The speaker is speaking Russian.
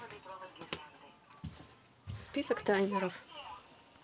список таймеров